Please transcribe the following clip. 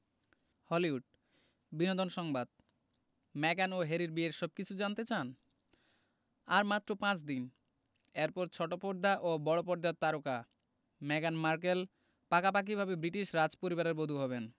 Hollywood বিনোদন সংবাদ মেগান ও হ্যারির বিয়ের সবকিছু জানতে চান আর মাত্র পাঁচ দিন এরপর ছোট পর্দা ও বড় পর্দার তারকা মেগান মার্কেল পাকাপাকিভাবে ব্রিটিশ রাজপরিবারের বধূ হবেন